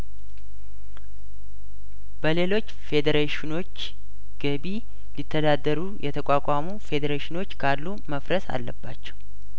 በሌሎች ፌዴሬሽኖች ገቢ ሊተዳደሩ የተቋቋሙ ፌዴሬሽኖች ካሉ መፍረስ አለባቸው